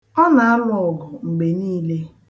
Ọ na-alụ ọgụ mgbe niile.